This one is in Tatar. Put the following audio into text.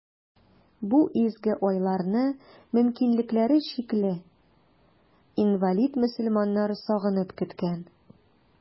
Бу изге айларны мөмкинлекләре чикле, инвалид мөселманнар сагынып көткән.